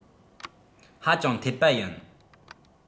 ཧ ཅང འཐད པ ཡིན